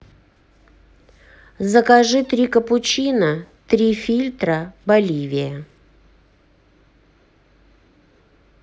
закажи три капучино три фильтра боливия